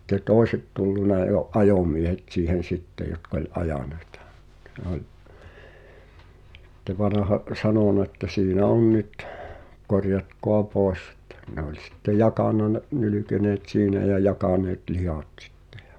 sitten toiset tullut jo ajomiehet siihen sitten jotka oli ajaneita sitten ne oli sitten vanha oli sanonut että siinä on nyt korjatkaa pois että ne oli sitten jakanut ne nylkeneet siinä ja jakaneet lihat sitten ja